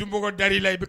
N bug da i la i